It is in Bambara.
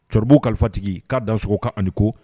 Cɔribukalifatigi k'a dansoko k'a ni ko